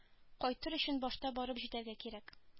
Кайтыр өчен башта барып җитәргә кирәк